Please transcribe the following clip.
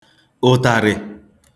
ụ̀tàrị̀